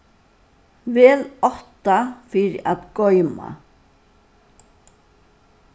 vel átta fyri at goyma